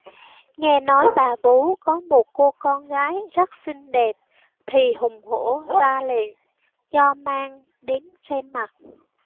nghe nói bà vú có một cô con gái rất xinh đẹp thì hùng hổ ra lệnh cho mang đến xem mặt